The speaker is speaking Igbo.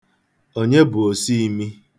Onye bụ osuimi?